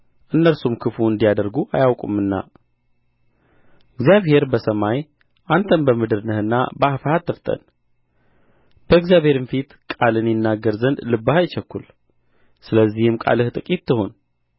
እነርሱም ክፉ እንዲያደርጉ አያውቁምና እግዚአብሔር በሰማይ አንተም በምድር ነህና በአፍህ አትፍጠን በእግዚአብሔርም ፊት ቃልን ይናገር ዘንድ ልብህ አይቸኵል ስለዚህም ቃልህ ጥቂት ትሁን